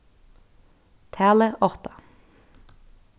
talið átta